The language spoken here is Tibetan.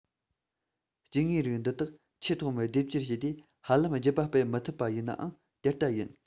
སྐྱེ དངོས རིགས འདི དག ཆེས ཐོག མར སྡེབ སྦྱོར བྱས དུས ཧ ལམ རྒྱུད པ སྤེལ མི ཐུབ པ ཡིན ནའང དེ ལྟ ཡིན